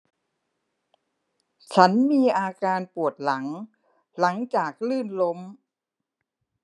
ฉันมีอาการปวดหลังหลังจากลื่นล้ม